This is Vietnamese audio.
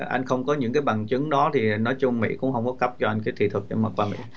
anh không có những bằng chứng đó thì nói chung mỹ cũng hông có cấp cho anh cái thị thực để mà qua mĩ